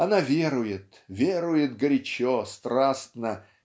Она верует, верует горячо, страстно.